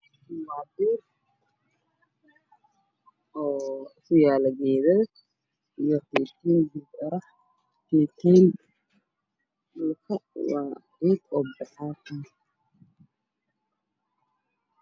Waa beer kuyaalo geedo iyo tiitiin waa geed baxaayo.